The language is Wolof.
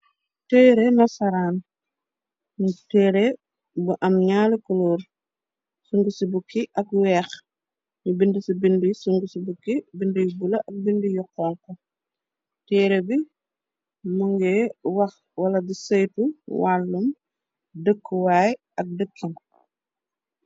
Teere na saraan, nu tere bu am ñyarru koloor sungi ci bukki ak weex, ñu bind ci bindy sungi ci bukki bind yu bula ak bind yu xonko. Teere bi mënge wax wala di seytu wàllum dëkkuwaay ak dëkkin.